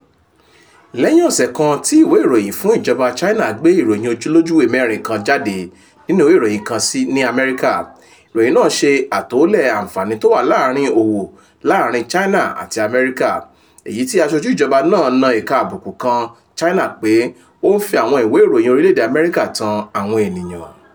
Lẹ́yìn ọ̀sẹ̀ kan tí ìwé ìròyìn fún ìjọba China gbé ìròyìn olójúùwé mẹ́rin kan jáde nínú ìwé ìròyìn kan ní US. Ìròyìn náà ṣe àtòólẹ̀ àǹfààní tó wà láàrin òwò láàrin China àti US, èyí tí aṣojú ìjọba náà na ìka àbùkù kan China pé ó ń fi àwọn ìwé ìròyìn orílẹ̀èdè Amẹ́ríkà tan àwọn ènìyàn.